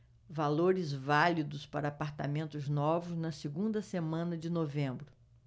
valores válidos para apartamentos novos na segunda semana de novembro